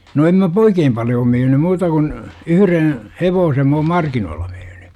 no en minä - oikein paljoa myynyt muuta kuin yhden hevosen minä olen markkinoilla myynyt